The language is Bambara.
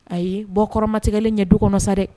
Ayi bɔkɔrɔ matigɛlen ye du kɔnɔ sa dɛ